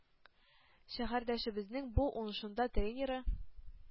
Шәһәрдәшебезнең бу уңышында тренеры